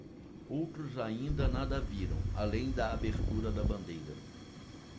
outros ainda nada viram além da abertura da bandeira